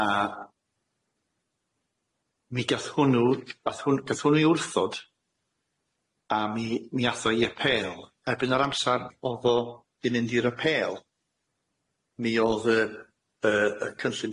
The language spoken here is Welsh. A mi gath hwnnw gath hwnn- gath hwnnw i wrthod a mi mi ath o i apêl erbyn yr amsar odd o di mynd i'r apêl mi odd y yy y cynllun